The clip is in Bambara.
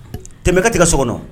Tɛmɛ ka tigɛ so kɔnɔ